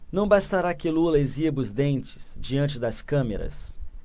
não bastará que lula exiba os dentes diante das câmeras